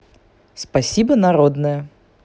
спасибо народное